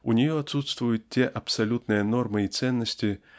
У нее отсутствуют те абсолютные нормы и ценности